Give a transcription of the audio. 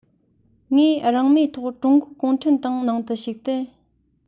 ངས རང མོས ཐོག ཀྲུང གོའི གུང ཁྲན ཏང ནང དུ ཞུགས ཏེ